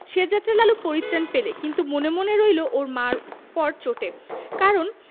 সে যাত্রা লালু পরিত্রাণ পেলে কিন্তু মনে মনে রইল ও মার পর চটে কারণ